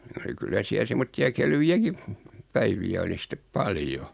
niin oli kyllä siellä semmoisia kelvejäkin päiviä oli sitten paljon